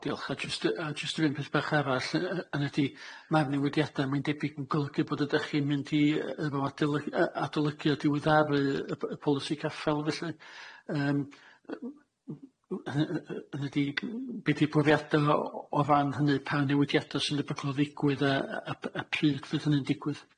Diolch a jyst yy a jyst yr un peth bach arall yy yy hynny ydi ma'r newidiada mae'n debyg yn golygu bod ydach chi'n mynd i yy efo adoly- yy adolygio diwyddiaru y p- y polisi caffel felly yym yy yy yy hynny ydi g- m- be' di bwriada o o fan hynny pa newidiada sy'n debygol ddigwydd a a a b- a pryd fydd hynny'n digwydd?